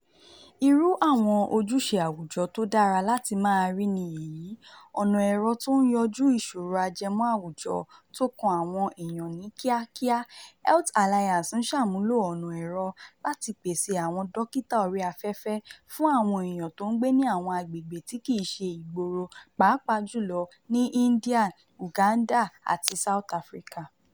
“Irú awọn ojùṣe àwùjọ tó dára láti máa rí ni èyí — ọ̀nà ẹ̀rọ̀ tó ń yànjú ìṣòrò ajẹmọ́ awujọ to kan àwọn eèyàn ní kíákíá … mHealth Alliance ń ṣàmúlò ọ̀nà ẹ̀rọ láti pèsè àwọn dókìtà orí afẹ́fẹ́ fún àwọn eèyàn tó n gbé ní àwọn agbègbè tí kìí ṣe ìgboro, pàápàá jùlọ ní Indian, Uganda àti South Africa.